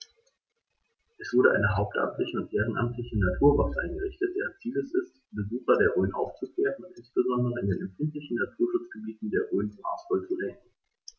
Es wurde eine hauptamtliche und ehrenamtliche Naturwacht eingerichtet, deren Ziel es ist, Besucher der Rhön aufzuklären und insbesondere in den empfindlichen Naturschutzgebieten der Rhön maßvoll zu lenken.